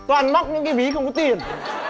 toàn móc cái ví không có tiền